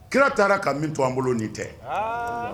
Kira taara ka min to an bolo nin tɛ. Aa !